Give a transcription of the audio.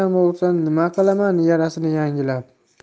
bo'lsa nima qilaman yarasini yangilab